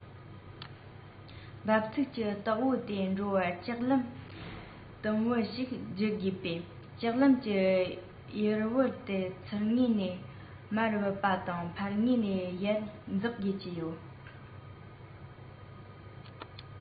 འབབ ཚུགས ཀྱི སྟེགས བུ དེར འགྲོ བར ལྕགས ལམ དུམ བུ ཞིག བརྒྱུད དགོས པས ལྕགས ལམ གྱི ཡུར བུ དེར ཚུར ངོས ནས མར བབས པ དང ཕར ངོས ནས ཡར འཛེག དགོས ཀྱི ཡོད